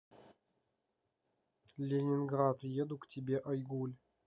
ленинград еду к тебе айгуль